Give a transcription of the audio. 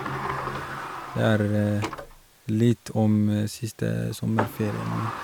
Det er litt om siste sommerferien min.